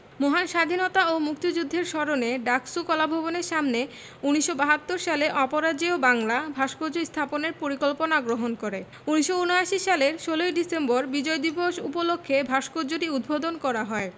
মহান স্বাধীনতা ও মুক্তিযুদ্ধের স্মরণে ডাকসু কলাভবনের সামনে ১৯৭২ সালে অপরাজেয় বাংলা ভাস্কর্য স্থাপনের পরিকল্পনা গ্রহণ করে ১৯৭৯ সালের ১৬ ডিসেম্বর বিজয় দিবস উপলক্ষে ভাস্কর্যটি উদ্বোধন করা হয়